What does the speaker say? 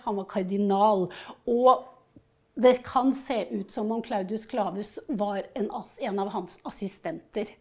han var kardinal og det kan se ut som om Claudius Clavus var en av hans assistenter.